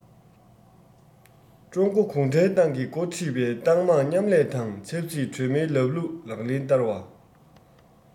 ཀྲུང གོ གུང ཁྲན ཏང གིས འགོ ཁྲིད པའི ཏང མང མཉམ ལས དང ཆབ སྲིད གྲོས མོལ ལམ ལུགས ལག ལེན བསྟར བ